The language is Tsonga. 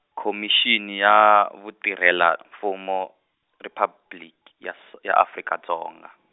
Khomixini ya Vutirhela-Mfumo, Riphabliki, ya s- ya Afrika Dzonga.